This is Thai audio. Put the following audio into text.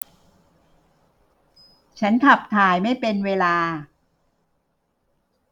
ฉันขับถ่ายไม่เป็นเวลา